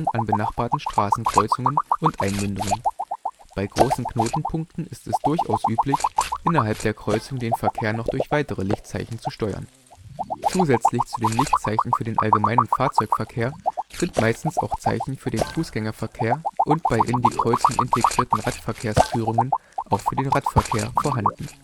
an benachbarten Straßenkreuzungen und - einmündungen). Bei großen Knotenpunkten ist es durchaus üblich, innerhalb der Kreuzung den Verkehr noch durch weitere Lichtzeichen zu steuern. Zusätzlich zu den Lichtzeichen für den allgemeinen Fahrzeugverkehr sind meistens auch Zeichen für den Fußgängerverkehr und bei in die Kreuzung integrierten Radverkehrsführungen auch für den Radverkehr vorhanden